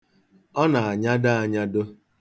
Ọ na-anyado anyado.